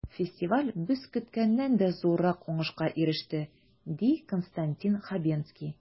Фестиваль без көткәннән дә зуррак уңышка иреште, ди Константин Хабенский.